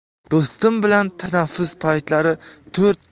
do'stim bilan tanaffus paytlari to'rt